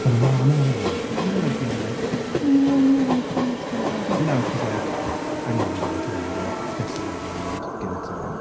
Fel Lana, er enghraifft, oedd hi'n like really like "Oh yeah yeah it's whatever ." Now she's like "I'm not going to be in a triangle. This is what I want. Give it to me."